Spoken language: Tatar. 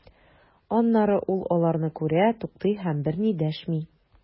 Аннары ул аларны күрә, туктый һәм берни дәшми.